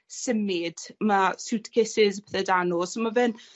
symud, ma' suitecases pethe 'da nw. So ma' fe'n